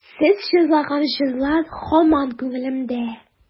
Сез җырлаган җырлар һаман күңелемдә.